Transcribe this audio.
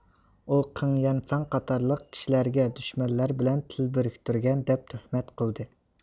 ئۇ قېڭيەنفەن قاتارلىق كىشلەرگە دۈشمەنلەر بىلەن تىل بىرىكتۈرگەن دەپ تۆھمەت قىلدى